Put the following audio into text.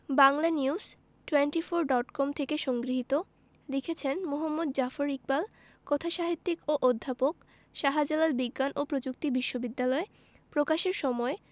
Banglanews twenty four dot com থেকে সংগৃহীত লিখেছেন মুহাম্মদ জাফর ইকবাল কথাসাহিত্যিক ও অধ্যাপক শাহজালাল বিজ্ঞান ও প্রযুক্তি বিশ্ববিদ্যালয় প্রকাশের সময়